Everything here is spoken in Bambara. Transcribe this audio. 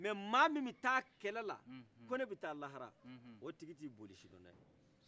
nka mɔgɔ min bi taa kɛlɛ la ko ne bi taa lahara o tigi ti boli sidɔn dɛ